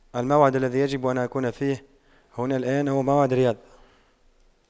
الموعد الذي يجب ان أكون فيه هنا الآن هو موعد رياضة